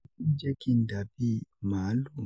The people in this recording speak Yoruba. Fifun jẹ ki n dabi maalu.